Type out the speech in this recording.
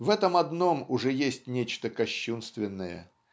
В этом одном уже есть нечто кощунственное.